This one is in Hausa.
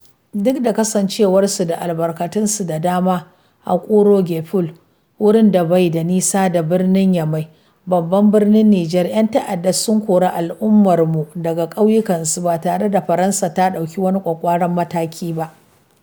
Duk da kasancewarsu da albarkatunsu da dama, a Ouro Guéladio, wurin da bai da nisa da birnin Yamai, babban birnin Nijar, 'yan ta'adda sun kori al’ummarmu daga ƙauyukansu, ba tare da Faransa ta ɗauki wani ƙwaƙƙwaran mataki ba.